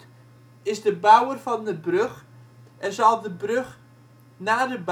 de bouwer van de brug en zal de brug na de